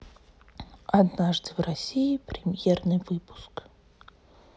однажды в россии премьерный выпуск